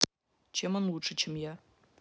чем он лучше чем я